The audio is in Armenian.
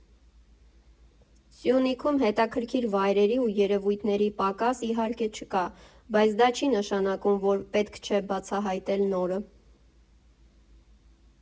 Սյունիքում հետաքրքիր վայրերի ու երևույթների պակաս, իհարկե, չկա, բայց դա չի նշանակում, որ պետք չէ բացահայտել նորը։